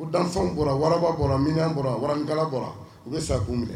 U dan kɔrɔ wara kɔrɔ mi kɔrɔ warabilenkala kɔrɔ u bɛ sa kun minɛ